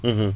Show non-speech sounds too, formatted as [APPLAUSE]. [HESITATION] [HESITATION]